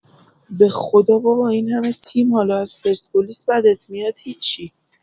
بخدا بابا اینهمه تیم حالا از پرسپولیس بدت میاد هیچی